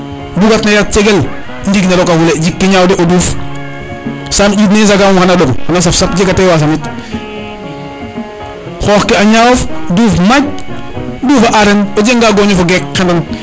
bugat na yar cegel ndiig ne roka fule jiki ñaaw o duuf saam ndik ne xesa nga dandong mom xana ɗom xana saf sap jega te wasa nit xoox ki a ñawof fuuf maac dufa areer o jega nga goñof o geek xendan